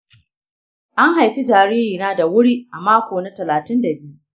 an haifi jaririna da wuri a mako na talatin da biyu.